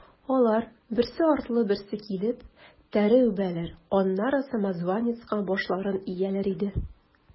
Алар, берсе артлы берсе килеп, тәре үбәләр, аннары самозванецка башларын ияләр иде.